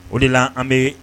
O de la an bɛ